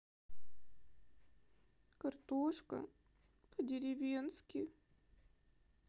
картошка по деревенски